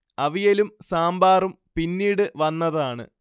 അവിയലും സാമ്പാറും പിന്നീട് വന്നതാണ്